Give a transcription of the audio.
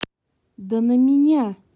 да на меня